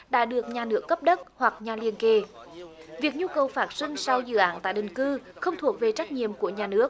đã được nhà nước cấp đất hoặc nhà liền kề việc nhu cầu phát sinh sau dự án tái định cư không thuộc về trách nhiệm của nhà nước